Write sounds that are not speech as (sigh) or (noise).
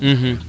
(hesitation) (hesitation)